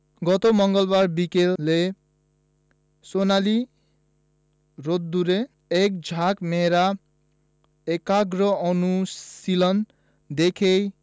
গত মঙ্গলবার বিকেলে সোনালি রোদ্দুরে একঝাঁক মেয়ের একাগ্র অনুশীলন দেখেই